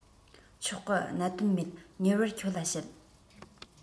ཆོག གི གནད དོན མེད མྱུར བར ཁྱོད ལ བཤད